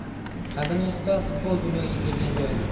qadimgi xitoy futbol dunyoga kelgan joydir